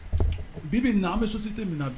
Bibi na an bɛ sosi tɛ min